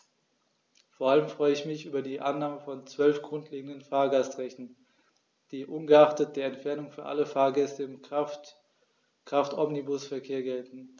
Vor allem freue ich mich über die Annahme von 12 grundlegenden Fahrgastrechten, die ungeachtet der Entfernung für alle Fahrgäste im Kraftomnibusverkehr gelten.